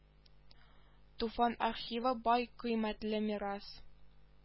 Туфан архивы бай кыйммәтле мирас